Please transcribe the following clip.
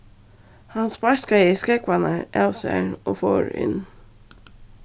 hann sparkaði skógvarnar av sær og fór inn